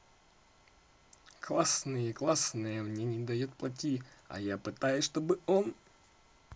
классные классное мне не дает плати а я пытаюсь чтобы он